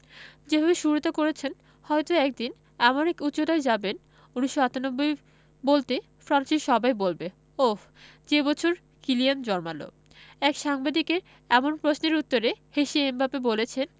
যেভাবে শুরুটা করেছেন হয়তো একদিন এমন এক উচ্চতায় যাবেন ১৯৯৮ বলতে ফ্রান্সের সবাই বলবে ওহ্ যে বছর কিলিয়ান জন্মাল এক সাংবাদিকের এমন প্রশ্নের উত্তরে হেসে এমবাপ্পে বলেছেন